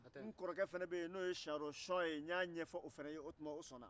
n y'a ɲɛfɔ kɔrɔkɛ siyanro schɔn ye o sɔnna